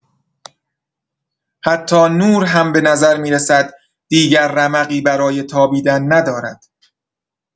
حتی نور هم به نظر می‌رسد دیگر رمقی برای تابیدن ندارد.